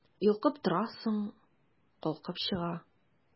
Йолкып торасың, калкып чыга...